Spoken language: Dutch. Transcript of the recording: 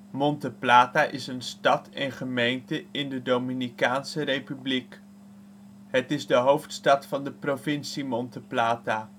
Monte Plata is een stad en gemeente in de Dominicaanse Republiek, de hoofdstad van de provincie Monte Plata